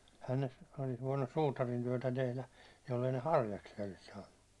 eihän ne olisi voinut suutarin työtä tehdä jos ei ne harjaksia olisi saanut